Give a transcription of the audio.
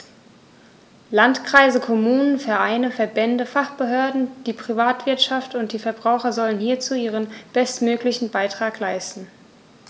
Landkreise, Kommunen, Vereine, Verbände, Fachbehörden, die Privatwirtschaft und die Verbraucher sollen hierzu ihren bestmöglichen Beitrag leisten.